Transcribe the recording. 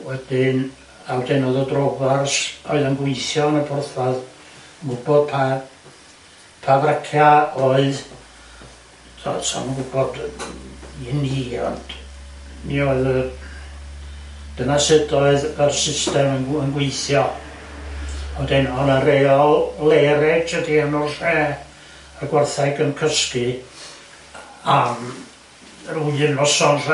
Wedyn a- wedyn o'dd y drofars oedd yn gwithio yn y porthladd yn gwybod pa pa fracia oedd to- sa'm yn gwbod i ni, ond mi oedd yy dyna sud oedd yr system yn g- yn gweithio. A 'dyn o'na reol lairage ydi enw'r lle y gwartheg yn cysgu am yr ryw un noson falla